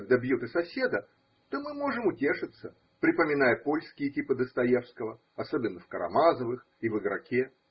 когда бьют и соседа, то мы можем утешиться, припоминая польские типы Достоевского, особенно в Карамазовых и в Игроке.